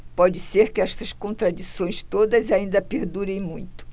pode ser que estas contradições todas ainda perdurem muito